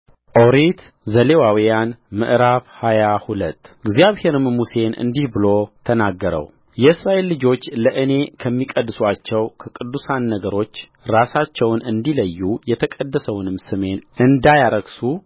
ኦሪት ዘሌዋውያን ምዕራፍ ሃያ ሁለት እግዚአብሔርም ሙሴን እንዲህ ብሎ ተናገረውየእስራኤል ልጆች ለእኔ ከሚቀድሱአቸው ከቅዱሳን ነገሮች ራሳቸውን እንዲለዩ የተቀደሰውንም ስሜን እንዳያረክሱ